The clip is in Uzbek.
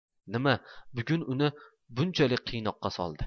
nima bugun uni bunchalik qiynoqqa soldi